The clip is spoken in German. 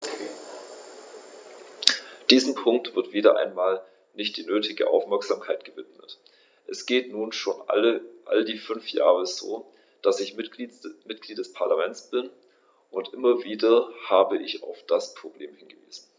Diesem Punkt wird - wieder einmal - nicht die nötige Aufmerksamkeit gewidmet: Das geht nun schon all die fünf Jahre so, die ich Mitglied des Parlaments bin, und immer wieder habe ich auf das Problem hingewiesen.